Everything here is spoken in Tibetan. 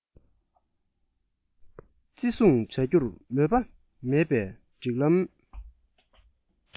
བརྩི སྲུང བྱ རྒྱུར མོས པ མེད པས སྒྲིག ལམ